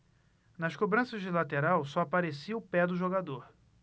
nas cobranças de lateral só aparecia o pé do jogador